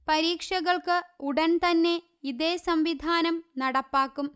പരീക്ഷകൾക്ക് ഉടൻതന്നെ ഇതേ സംവിധാനം നടപ്പാക്കും